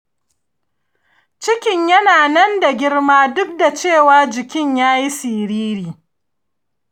cikin yana nan da girma duk da cewa jiki ya yi siriri.